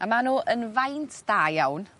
A ma' n'w yn faint da iawn